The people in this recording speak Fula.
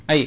ayi